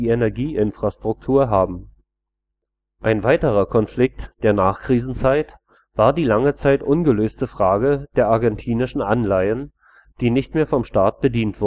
Energieinfrastruktur haben. Ein weiterer Konflikt der Nachkrisenzeit war die lange Zeit ungelöste Frage der argentinischen Anleihen, die nicht mehr vom Staat bedient